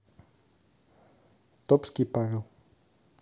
топский павел